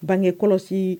Bange kɔlɔsii